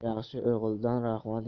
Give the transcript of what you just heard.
yaxshi o'g'ildan rahmat